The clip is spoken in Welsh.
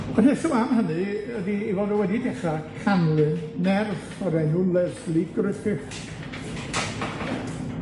Y rheswm am hynny ydi 'i fod o wedi dechra canlyn merch o'r enw Lesley Griffith,